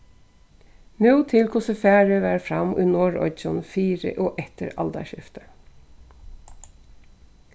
nú til hvussu farið varð fram í norðoyggjum fyri og eftir aldarskiftið